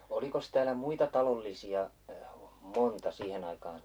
olikos täällä muita talollisia monta siihen aikaan